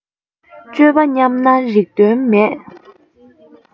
སྤྱོད པ ཉམས ན རིགས དོན མེད